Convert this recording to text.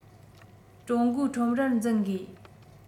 ཀྲུང གོའི ཁྲོམ རར འཛིན དགོས